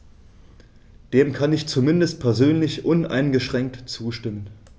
Dem kann ich zumindest persönlich uneingeschränkt zustimmen.